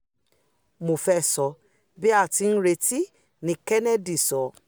'Mo fẹ́ sọ, bí a tì ńretí,'' ni Kennedy sọ.